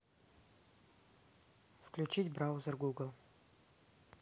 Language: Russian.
включить браузер google